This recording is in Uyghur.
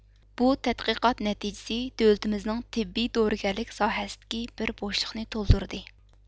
بۇ تەتقىقات نەتىجىسى دۆلىتىمىزنىڭ تېببىي دورىگەرلىك ساھەسىدىكى بىر بوشلۇقنى تولدۇردى